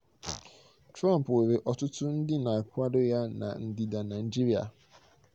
Trump nwere ọtụtụ ndị na-akwado ya na ndịda Naịjirịa